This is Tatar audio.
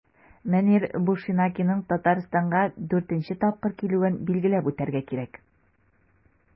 Мөнир Бушенакиның Татарстанга 4 нче тапкыр килүен билгеләп үтәргә кирәк.